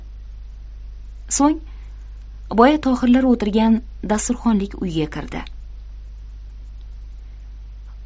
so'ng boya tohirlar o'tirgan dasturxonlik uyga kirdi